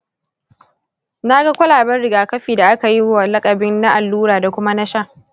na ga kwalaben rigakafi da aka yi wa lakabin “na allura” da kuma “na sha.”